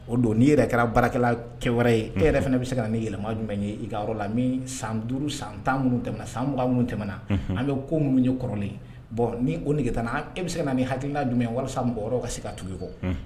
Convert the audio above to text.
O don n'i yɛrɛ kɛra baarakɛla kɛ wɛrɛ ye e yɛrɛ fana bɛ se ka nin yɛlɛma jumɛn ye iyɔrɔ la min san duuru san tan minnu tɛm san mugan minnu tɛmɛna na an bɛ ko minnu ye kɔrɔlen bɔn ni o nɛgɛge taa e bɛ se ka nin hakiliina jumɛn ye walasasa mɔgɔ ka se ka tuykɔ